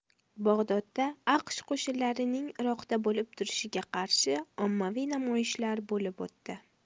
bag'dodda aqsh qo'shinlarining iroqda bo'lib turishiga qarshi ommaviy namoyishlar bo'lib o'tdi